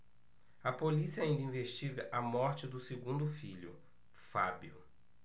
a polícia ainda investiga a morte do segundo filho fábio